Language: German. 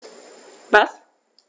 Was?